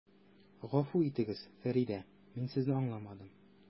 Гафу итегез, Фәридә, мин Сезне аңламадым.